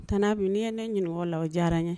Tanti Abi n'i ye ne ɲininka o la o diyara n ye